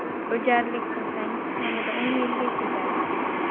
o'jarlik qilsangiz kamida o'n yilga ketadi